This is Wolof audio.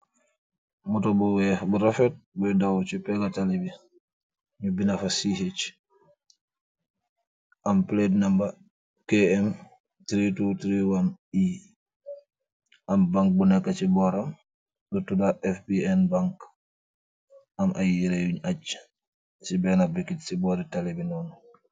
Motor bu wekh bu rafet bui daw chi pehgah tali bi, nju binda fa CH, am plate number KM 3231 E, am bank bu neka chi bohram bu tuda FBN bank, am aiiy yehreh yungh ajj ci bena boutique cii bohri tali bi nonu.